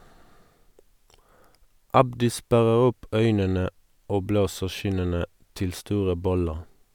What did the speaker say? Abdi sperrer opp øynene og blåser kinnene til store boller.